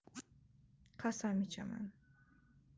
qasam ichaman